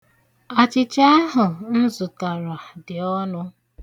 Achịcha ahụ m zụtara dị ọnụ.